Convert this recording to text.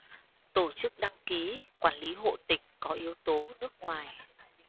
tổ chức đăng ký quản lý hộ tịch có yếu tố nước ngoài